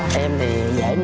em